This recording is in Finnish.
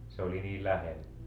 se oli niin lähellä